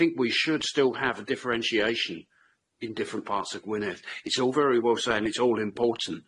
I think we should still have a differentiation in different parts of Gwynedd. It's all very well said and it's all important.